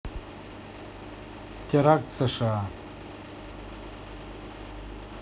теракт сша